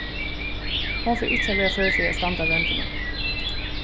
hon fer ikki at vera før fyri at standa royndina